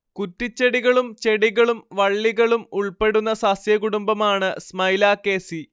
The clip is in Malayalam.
കുറ്റിച്ചെടികളും ചെടികളും വള്ളികളും ഉൾപ്പെടുന്ന സസ്യകുടുംബമാണ് സ്മൈലാക്കേസീ